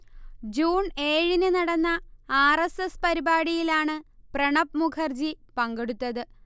June ഏഴിന് നടന്ന R. S. S. പരിപാടിയിലാണ് പ്രണബ് മുഖർജി പങ്കെടുത്തത്